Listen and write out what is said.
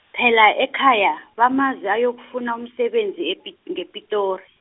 phela ekhaya, bamazi ayokufuna umsebenzi epi- ngePitori.